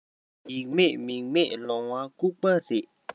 ཡིག མེད མིག མེད ལོང བ སྐུགས པ རེད